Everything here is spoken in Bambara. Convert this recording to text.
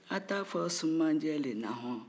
a t'a fɔ sumanjɛ le na hɔn